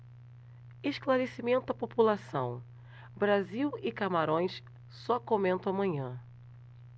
esclarecimento à população brasil e camarões só comento amanhã